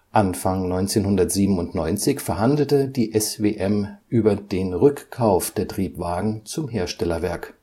Anfang 1997 verhandelte die SWM über die Rückkauf der Triebwagen zum Herstellerwerk